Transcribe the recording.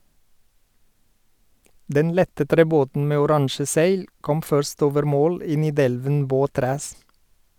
Den lette trebåten med oransje seil kom først over mål i Nidelven båtræs.